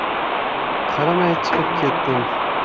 qaramay chiqib ketdim